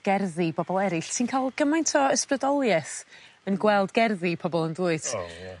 gerddi bobol eryll ti'n ca'l gymaint o ysbrydolieth yn gweld gerddi pobol yndwyt? O ie.